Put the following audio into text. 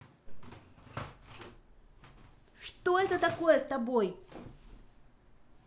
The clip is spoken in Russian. что это такое с тобой